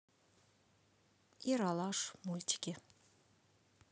ералаш мультики